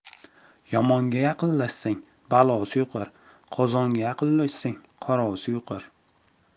yomonga yaqinlashsang balosi yuqar qozonga yaqinlashsang qorasi